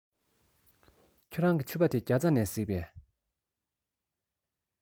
ཁྱེད རང གི ཕྱུ པ དེ རྒྱ ཚ ནས གཟིགས པས